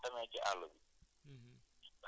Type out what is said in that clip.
mooy gànnaaw soo demee ci àll